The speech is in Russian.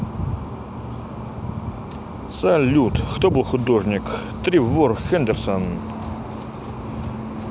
салют кто был художник тревор хендерсон